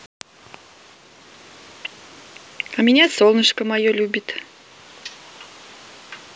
а меня солнышко мое любит